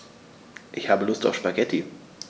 Ich habe Lust auf Spaghetti.